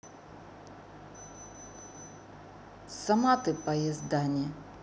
сама ты поездане